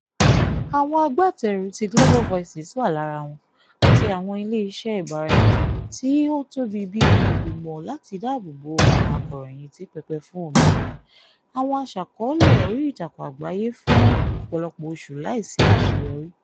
Àwọn agbátẹrù tí Global Voices wà lára wọn àti àwọn ilé iṣẹ́ ìbáraẹnisọ̀rọ̀ tí ó tóbi bíi Ìgbìmọ̀ láti Dáàbòbò Àwọn Akọ̀ròyìn ti pèpè fún òmìnira àwọn aṣàkọ́ọ́lẹ̀ orí ìtàkùn àgbáyé fún ọ̀pọ̀lọpọ̀ oṣù, láìsí àṣeyọrí.